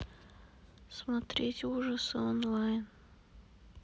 смотреть ужасы онлайн